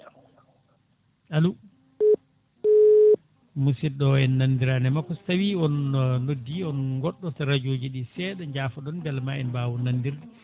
allo musidɗo en nandirani e makko so tawi on noddi on goɗɗoto radio ji ɗi seeɗa yaafoɗon beele ma en mbaw nandirde